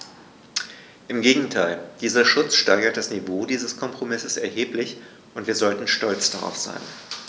Im Gegenteil: Dieser Schutz steigert das Niveau dieses Kompromisses erheblich, und wir sollten stolz darauf sein.